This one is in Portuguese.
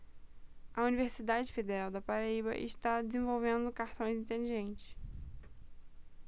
a universidade federal da paraíba está desenvolvendo cartões inteligentes